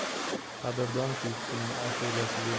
qadrdon kuychisining ashulasiga